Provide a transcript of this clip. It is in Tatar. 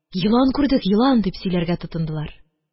Елан күрдек, елан!» – дип сөйләргә тотындылар